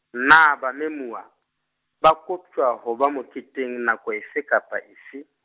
na ba memuwa, ba koptjwa ho ba moketeng nako efe kapa efe?